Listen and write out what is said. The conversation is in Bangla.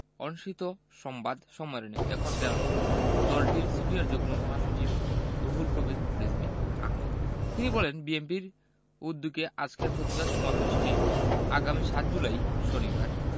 অনুষ্ঠিত সংবাদ সম্মেলন এ কথা জানান দলটির সিনিয়র যুগ্ম মহাসচিব রুহুল কবির রিজভী আহমেদ তিনি বলেন বিএনপির উদ্যোগে আজকের প্রতিবাদ সমাবেশটি আগামী ৭ জুলাই শনিবার